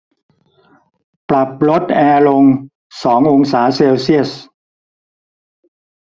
ปรับลดแอร์ลงสององศาเซลเซียส